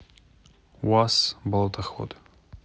уаз болотоход